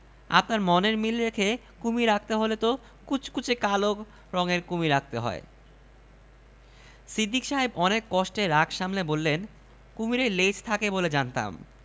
আপনার মনের মিল রেখে কুমীর আঁকতে হলে তো কুচকুচে কালো রঙের কুমীর আঁকতে হয় সিদ্দিক সাহেব অনেক কষ্টে রাগ সামলে বললেন কুমীরের লেজ থাকে বলে জানতাম